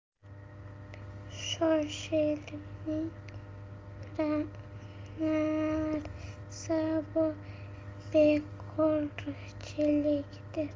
shoshilinch narsa bu bekorchilikdir